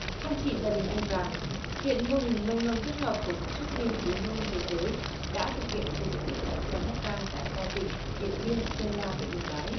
không chỉ gia đình anh vàng hiện mô hình nông lâm kết hợp của tổ chức nghiên cứu nông lâm thế giới đã thực hiện trên diện tích hàng trăm héc ta tại ba tỉnh điện biên sơn la và yên bái